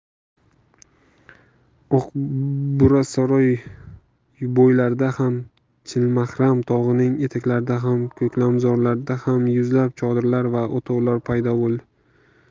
oqburasoy bo'ylarida ham chilmahram tog'ining etaklaridagi ko'kalamzorlarda ham yuzlab chodirlar va o'tovlar paydo bo'ldi